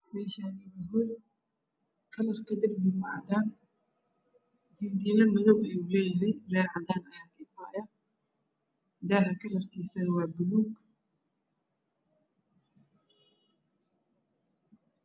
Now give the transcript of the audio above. Meshani waa hol holka darbiga waa cadan dir dirmo madow ayu leyhy ler cadan aya ka ifaya daha kalarkisa waa bulug